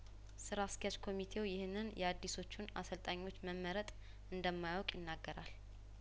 ስራ አስኪያጅ ኮሚቴው ይህንን የአዲሶቹን አሰልጣኞች መመረጥ እንደማ ያውቅ ይነገራል